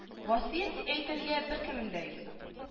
Васыять әйтергә беркемем дә юк